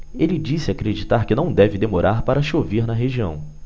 ele disse acreditar que não deve demorar para chover na região